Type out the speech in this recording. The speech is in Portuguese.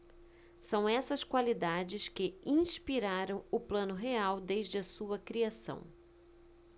são essas qualidades que inspiraram o plano real desde a sua criação